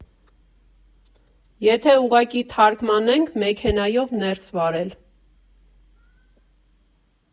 Եթե ուղղակի թարմգանենք՝ «մեքենայով ներս վարել»